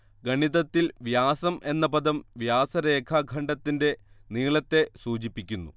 ഗണിതത്തിൽ വ്യാസം എന്ന പദം വ്യാസരേഖാഖണ്ഡത്തിന്റെ നീളത്തെ സൂചിപ്പിക്കുന്നു